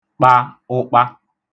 kpa ụkpa